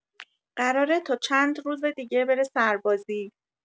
قراره تا چند روز دیگه بره سربازی